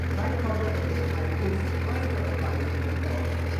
Rhaid cofio hefyd mai wrthblaid o'dd y blaid Rhyddfrydol